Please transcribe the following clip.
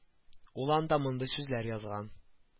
Ул анда мондый сүзләр язган